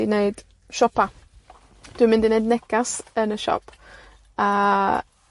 i neud siopa. Dwi'n mynd i neud negas yn y siop, a